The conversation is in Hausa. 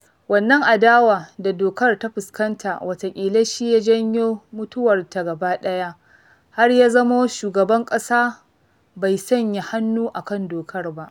Wannan adawa da dokar ta fuskanta wataƙila shi ya janyo mutuwarta gaba ɗaya - har ya zamo shugaban ƙasa bai sanya hannu a kan dokar ba.